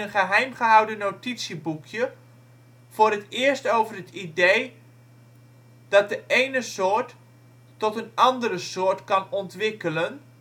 geheimgehouden notitieboekje voor het eerst over het idee dat de een soort tot een andere soort kan ontwikkelen